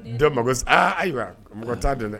Dɔn mako aa ayiwa a mɔgɔ taa dɛ